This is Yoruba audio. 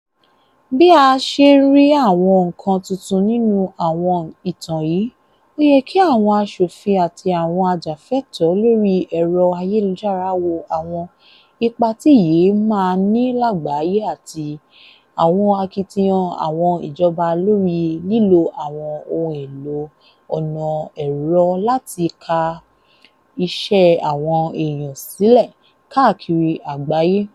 Bí a ṣe ń rí àwọn nǹkan tuntun nínú àwọn ìtàn yìí, ó yẹ kí àwọn aṣòfin àtí àwọn ajàfẹ́tọ̀ọ́ lóri ẹ̀rọ ayélujára wo àwọn ipa tí yìí máa ní lágbàáyé àti àwọn akitiyan àwọn ìjọba lórí lílo àwon ohun eelò ọ̀nà ẹ̀rọ láti ká iṣẹ́ àwọn èèyàn sílẹ̀ káàkirì ágbáyé.